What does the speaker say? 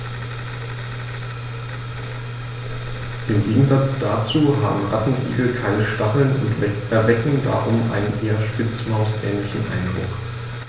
Im Gegensatz dazu haben Rattenigel keine Stacheln und erwecken darum einen eher Spitzmaus-ähnlichen Eindruck.